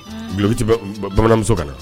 Npogo tɛ bɛ bamananmuso ka na